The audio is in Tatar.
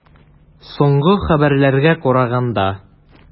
Соңгы хәбәрләргә караганда.